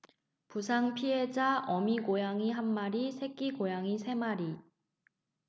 부상 피해자 어미 고양이 한 마리 새끼 고양이 세 마리